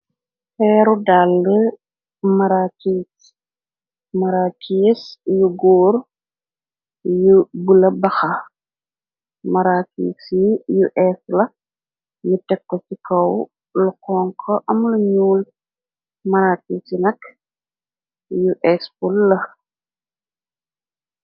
Xeeru dall marakis yu góor bu la baxa marakisi us la ni tekko ci kaw lu xonko amlu ñuul marakii nak us pul la.